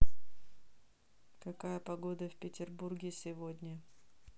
какая погода в петербурге сегодня